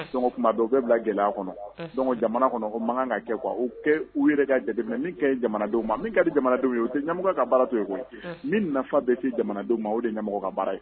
Fɛ nko tumabɛ u bɛ bila gɛlɛya kɔnɔ unhun donc jamana kɔnɔ o mankan ka kɛ quoi o tɛ u yɛrɛ ka jateminɛ min kaɲi jamanadenw ma min kadi jamanadenw ye o tɛ ɲɛmɔgɔya ka baara to ye koyi unh min nafa bɛ se jamanadenw ma o de ye ɲɛmɔgɔ ka baara ye